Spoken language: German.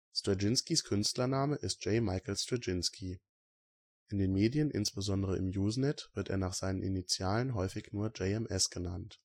Straczynskis Künstlername ist J. Michael Straczynski. In den Medien, insbesondere im Usenet, wird er nach seinen Initialen häufig nur JMS genannt